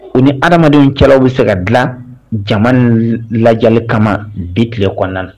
U ni hadenwcɛ bɛ se ka dilan jama ni lajɛli kama bi tile kɔnɔna